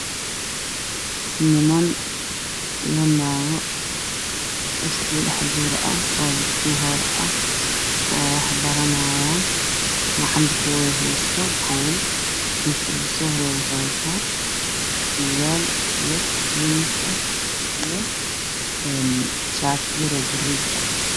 Waxaa ii muuqda niman iyo naago wax qoraya a waxa ay fadhiyaan dhulka xildhibaanka waxa ay wataan shaarar iyo macawis halka dumarkana ay wataan fanaanad goono iyo gambo buug ayayna wax ku qorayan